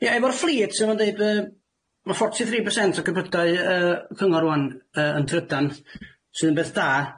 Ia, efo'r fleet se nw'n ddeud yy... Ma' forty three percent o gerbydau yy cyngor rŵan yy yn trydan, sydd yn beth da.